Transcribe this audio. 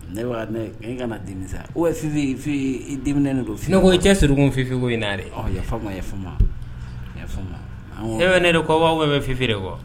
Ne ne n ka dimisa i dɛnen don f ko cɛ s siriurukun fifin ko ne yɛrɛ famama e bɛ ne de ko'aw bɛ bɛ fi feere de ye wa